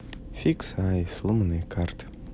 fixeye сломанные карты